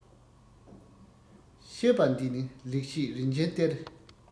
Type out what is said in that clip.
བཤད པ འདི ནི ལེགས བཤད རིན ཆེན གཏེར